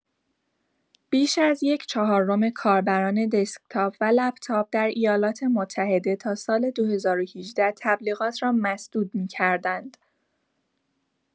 بیش از یک‌چهارم کاربران دسکتاپ و لپ‌تاپ در ایالات‌متحده تا سال ۲۰۱۸ تبلیغات را مسدود می‌کردند.